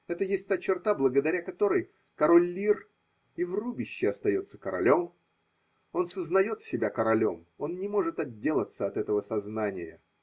Это есть та черта, благодаря которой король Лир и в рубище остается королем: он сознает себя королем, он не может отделаться от этого сознания.